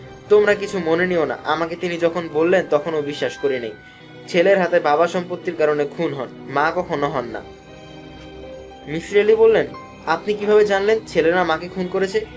তোমরা কিছু মনে নিও না আমাকে তিনি যখন বললেন তখন ও বিশ্বাস করি নাই ছেলের হাতে বাবা সম্পত্তির কারণে খুন হন মা কখনো না মিসির আলি বললেন আপনি কিভাবে জানলেন ছেলের আমাকে খুন করেছে